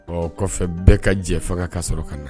Ɔ kɔfɛ bɛɛ ka jɛ faga ka sɔrɔ ka na